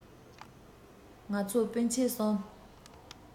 ང ཚོ སྤུན མཆེད གསུམ